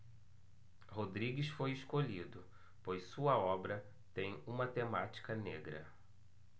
rodrigues foi escolhido pois sua obra tem uma temática negra